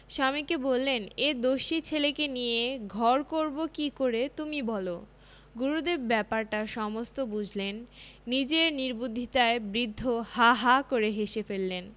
স্বামীকে বললেন এ দস্যি ছেলেকে নিয়ে ঘর করব কি করে তুমি বল গুরুদেব ব্যাপারটা সমস্ত বুঝলেন নিজের নির্বুদ্ধিতায় বৃদ্ধ হাঃ হাঃ করে হেসে ফেললেন